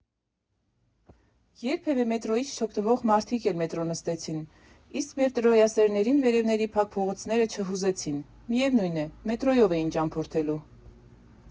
Երբևէ մետրոյից չօգտվող մարդիկ էլ մետրո նստեցին, իսկ մետրոյասերներին վերևների փակ փողոցները չհուզեցին, միևնույն է, մետրոյով էին ճամփորդելու։